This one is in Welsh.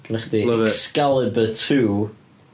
Gennych chdi Excalibur Two.